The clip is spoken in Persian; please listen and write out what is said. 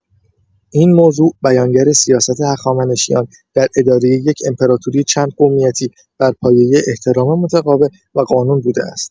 این موضوع بیانگر سیاست هخامنشیان در اداره یک امپراتوری چندقومیتی بر پایه احترام متقابل و قانون بوده است.